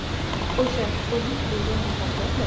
o'sha o'zing bilgan muqaddamda